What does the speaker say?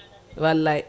wallay